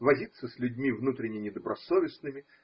возиться с людьми внутренне недобросовестными.